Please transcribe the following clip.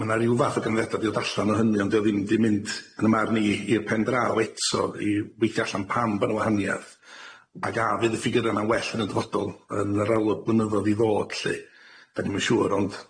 Ma' 'na riw fath o gynfyddiada di dod allan o hynny ond di o ddim di mynd yn 'y marn i i'r pen draw eto i weithio allan pam bo 'na wahaniath ag a fydd y ffigyra yma'n well yn y dyfodol yn yr arolwg blynyddodd i ddod lly 'dan ni'm yn siŵr ond